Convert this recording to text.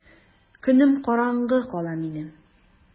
Көнем караңгы кала минем!